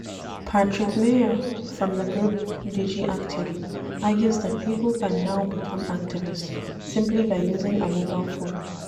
Patrick Meier, from the group DigiActive, argues that people can now become activists simply by using a mobile phone.